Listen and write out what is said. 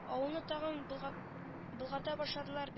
Авылны тагын болгата башладылар бит